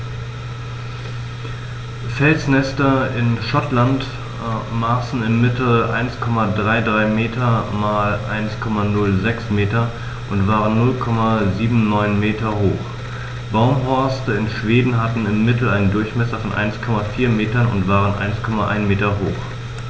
Felsnester in Schottland maßen im Mittel 1,33 m x 1,06 m und waren 0,79 m hoch, Baumhorste in Schweden hatten im Mittel einen Durchmesser von 1,4 m und waren 1,1 m hoch.